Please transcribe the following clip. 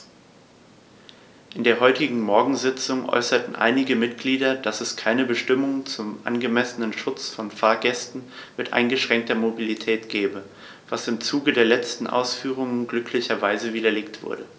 In der heutigen Morgensitzung äußerten einige Mitglieder, dass es keine Bestimmung zum angemessenen Schutz von Fahrgästen mit eingeschränkter Mobilität gebe, was im Zuge der letzten Ausführungen glücklicherweise widerlegt wurde.